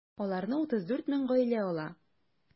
Аларны 34 мең гаилә ала.